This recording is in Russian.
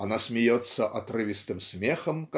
она смеется отрывистым смехом